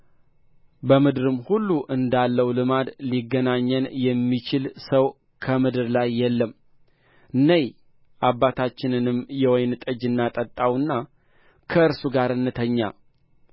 በምድርም ሁሉ እንዳለው ልማድ ሊገናኘን የሚችል ሰው ከምድር ላይ የለም ነዪ አባታቻንንም የወይን ጠጅ እናጠጣውና ከእርሱ ጋር እንተኛ